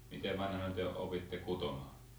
miten vanhana te opitte kutomaan